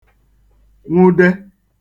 nwụde